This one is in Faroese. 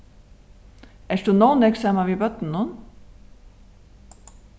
ert tú nóg nógv saman við børnunum